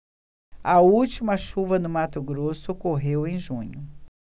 a última chuva no mato grosso ocorreu em junho